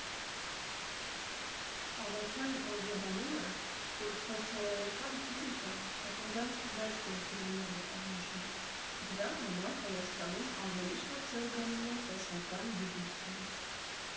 Ավագյանը պարզաբանում է, որ փորձարարական ֆիզիկան չափազանց մեծ ներդրումներ է պահանջում, դրա համար Հայաստանում ավելի շատ զարգանում է տեսական գիտությունը։